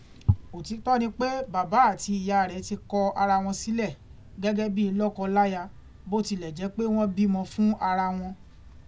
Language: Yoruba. Òtítọ́ ni pé bàbá àti ìyá rẹ̀ ti kọ ara wọn sílẹ̀ gẹ́gẹ́ bí lọ́kọ láya bó tilẹ̀ jẹ́ pé wọ́n bímọ fún ara wọn.